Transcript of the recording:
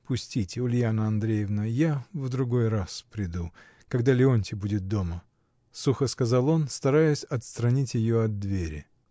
— Пустите, Ульяна Андреевна: я в другой раз приду, когда Леонтий будет дома, — сухо сказал он, стараясь отстранить ее от двери.